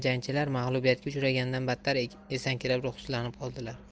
jangchilar mag'lubiyatga uchragandan battar esankirab ruhsizlanib qoldilar